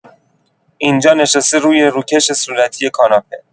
اینجا نشسته روی روکش صورتی کاناپه.